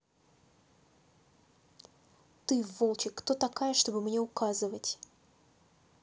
ты волчик кто такая чтобы мне указывать